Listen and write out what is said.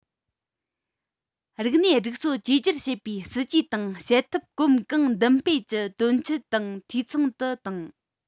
རིག གནས སྒྲིག སྲོལ བསྒྱུར བཅོས བྱེད པའི སྲིད ཇུས དང བྱེད ཐབས གོམ གང མདུན སྤོས ཀྱིས དོན འཁྱོལ དང འཐུས ཚང དུ བཏང